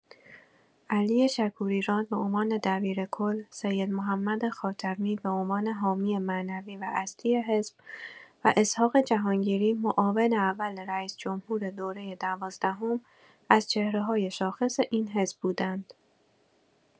علی شکوری‌راد به عنوان دبیرکل، سیدمحمد خاتمی به عنوان حامی معنوی و اصلی حزب، و اسحاق جهانگیری معاون اول رئیس‌جمهور دوره دوازدهم از چهره‌های شاخص این حزب بودند.